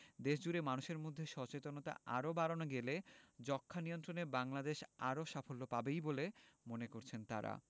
দেশজুড়ে মানুষের মধ্যে সচেতনতা আরও বাড়ানো গেলে যক্ষ্মানিয়ন্ত্রণে বাংলাদেশ আরও সাফল্য পাবেই বলে মনে করছেন তারা